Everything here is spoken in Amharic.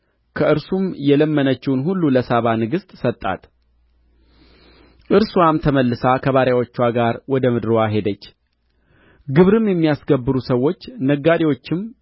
ከእርሱም የለመነችውን ሁሉ ለሳባ ንግሥት ሰጣት እርስዋም ተመልሳ ከባሪያዎችዋ ጋር ወደ ምድርዋ ሄደች ግብርም የሚያስገብሩ ሰዎች ነጋዴዎችም